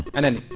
anani